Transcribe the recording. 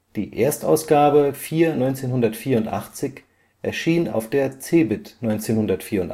Die Erstausgabe 04/1984 erschien auf der CeBIT 1984. Der